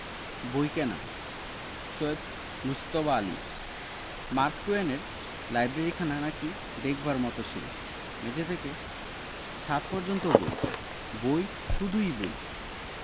বইকেনা Syed Mujtaba Ali Mark টুয়েনের লাইব্রেরিখানা নাকি দেখবার মত ছিল মেঝে থেকে ছাত পর্যন্ত বই বই শুধুই বই